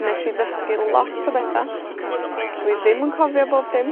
Nesh i ddysgu lot o betha. Dwi ddim yn cofio bob dim.